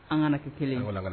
An kana kɛ kelen in wakala